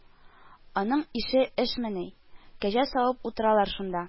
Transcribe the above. Аның ише эшмени ул, кәҗә савып утыралар шунда